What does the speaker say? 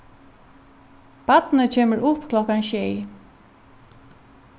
barnið kemur upp klokkan sjey